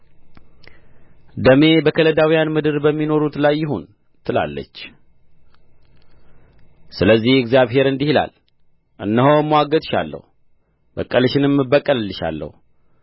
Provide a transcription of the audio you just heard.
ደሜ በከለዳውያን ምድር በሚኖሩት ላይ ይሁን ትላለች ስለዚህ እግዚአብሔር እንዲህ ይላል እነሆ እምዋገትልሻለሁ በቀልሽንም እበቀልልሻለሁ